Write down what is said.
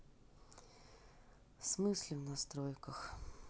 в смысле в настройках